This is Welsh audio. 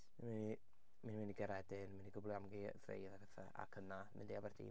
Ni ni mynd i Gaeredin mynd i gwpl o amgueddfeydd a pethe. Ac yna, mynd i Aberdeen